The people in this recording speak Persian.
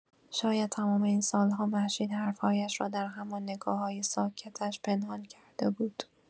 شاید تمام این سال‌ها، مهشید حرف‌هایش را در همان نگاه‌های ساکتش پنهان کرده بود.